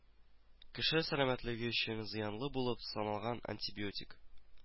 Кеше сәламәтлеге өчен зыянлы булып саналган антибиотик